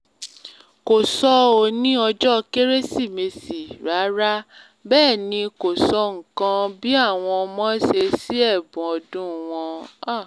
Kò sọ ‘ó’ ní ọjọ́ Kérésìmesì rárá. Bẹ́ẹ̀ ni kò sọ nǹkan bí àwọn ọmọ ṣe ṣí ẹ̀bùn ọdún wọn.”